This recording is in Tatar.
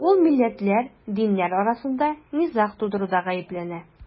Ул милләтләр, диннәр арасында низаг тудыруда гаепләнә.